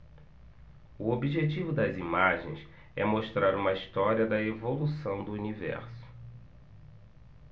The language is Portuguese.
o objetivo das imagens é mostrar uma história da evolução do universo